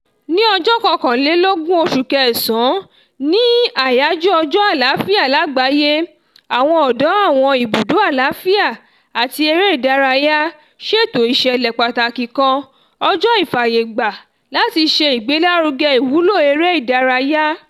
Ní 21 osù Kẹ̀sán, ní àyájọ́ Ọjọ́ Àlàáfíà Lágbàáyé, àwọn ọ̀dọ́ àwọn ibùdó àlàáfíà àti eré ìdárayá ṣètò ìṣẹ̀lẹ̀ pàtàkì kan, Ọjọ́ Ìfàyègbà, láti ṣe ìgbélárugẹ ìwúlò eré ìdárayá.